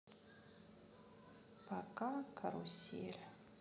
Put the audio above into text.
пока карусель